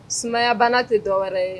Sumayabana tɛ dɔ wɛrɛ ye